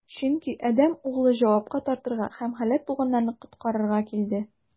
Чөнки Адәм Углы җавапка тартырга һәм һәлак булганнарны коткарырга килде.